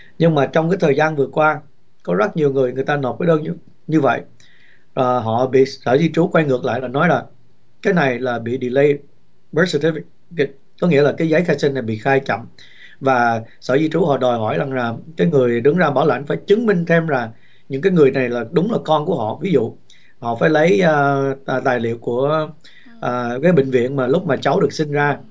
nhưng mà trong thời gian vừa qua có rất nhiều người người ta nộp cái đơn nhất như vậy ờ họ bị sở di trú quay ngược lại và nói là cái này là bị đì lây bớt sờ tế vịch vịch có nghĩa là cái giấy khai sinh này bị khai chậm và sở di trú họ đòi hỏi rằng là cái người đứng ra bảo lãnh phải chứng minh thêm là những người này là đúng là con của họ ví dụ họ phải lấy à tài liệu của ờ cái bệnh viện mà lúc mà cháu được sinh ra